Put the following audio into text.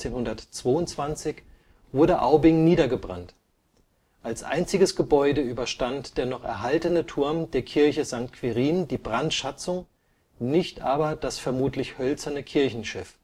1422) wurde Aubing niedergebrannt. Als einziges Gebäude überstand der noch erhaltene Turm der Kirche St. Quirin die Brandschatzung, nicht aber das vermutlich hölzerne Kirchenschiff